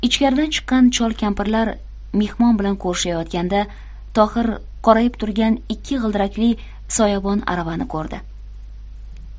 ichkaridan chiqqan chol kampirlar mehmon bilan ko'rishayotganda tohir qorayib turgan ikki g'ildirakli soyabon aravani ko'rdi